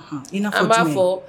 Hinɛ an b'a fɔ